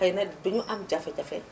xëy na duñu am jafe-jafe